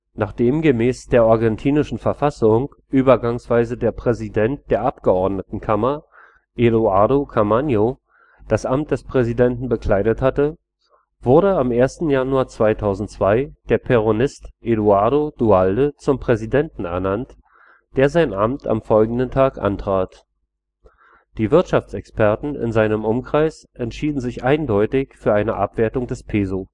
Nachdem gemäß der argentinischen Verfassung übergangsweise der Präsident der Abgeordnetenkammer, Eduardo Camaño, das Amt des Präsidenten bekleidet hatte, wurde am 1. Januar 2002 der Peronist Eduardo Duhalde zum Präsidenten ernannt, der sein Amt am folgenden Tag antrat. Die Wirtschaftsexperten in seinem Umkreis entschieden sich eindeutig für eine Abwertung des Peso